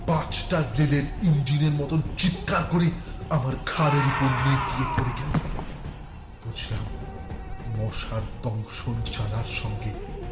পাঁচটা রেলের ইঞ্জিনের মতন চিৎকার করে আমার ঘাড়ের উপর নেতিয়ে পড়ে গেল বুঝলাম মশার দংশন জ্বালার সঙ্গে